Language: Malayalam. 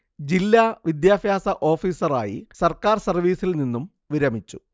ജില്ലാ വിദ്യാഭ്യാസ ഓഫീസറായി സർക്കാർ സർവീസിൽ നിന്നും വിരമിച്ചു